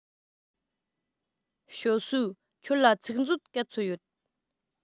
ཞའོ སུའུ ཁྱོད ལ ཚིག མཛོད ག ཚོད ཡོད